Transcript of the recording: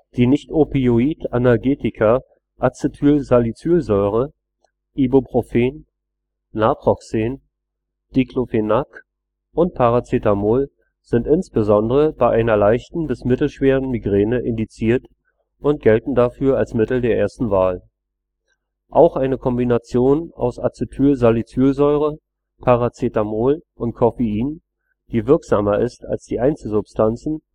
Die Nichtopioid-Analgetika Acetylsalicylsäure, Ibuprofen, Naproxen, Diclofenac und Paracetamol sind insbesondere bei einer leichten bis mittelschweren Migräne indiziert und gelten dafür als Mittel der ersten Wahl. Auch eine Kombination aus Acetylsalicylsäure, Paracetamol und Coffein, die wirksamer ist als die Einzelsubstanzen